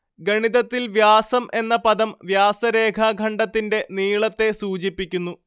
ഗണിതത്തിൽ വ്യാസം എന്ന പദം വ്യാസരേഖാഖണ്ഡത്തിന്റെ നീളത്തെ സൂചിപ്പിക്കുന്നു